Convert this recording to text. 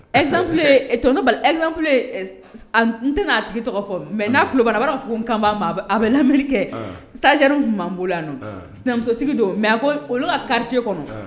Ez t ezfi n tɛna'a tigi tɔgɔ fɔ mɛ n'a kubana a b'a fo ko kanba a bɛ lamɛnmeri kɛ sani tun' bolo sinamusotigi don mɛ a ko olu ka kariti kɔnɔ